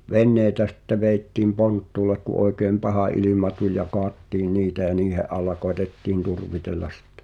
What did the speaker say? veneitä sitten vedettiin ponttuulle kun oikein paha ilma tuli ja kaadettiin niitä ja niiden alla koetettiin turvitella sitten